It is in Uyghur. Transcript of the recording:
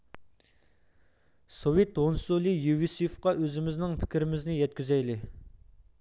سوۋېت ھونسۇلى يېۋسېيىفقا ئۆزىمىزنىڭ پىكرىمىزنى يەتكۈزەيلى